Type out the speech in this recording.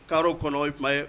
Kar o kɔnɔ o ye kuma ye